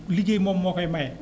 liggéey moom moo koy maye